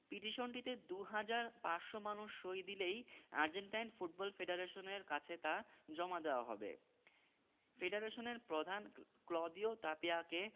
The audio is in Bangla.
পিটিশনটিতে ২ হাজার ৫০০ মানুষ সই দিলেই আর্জেন্টাইন ফুটবল ফেডারেশনের কাছে তা জমা দেওয়া হবে ফেডারেশনের প্রধান ক্লদিও তাপিয়াকে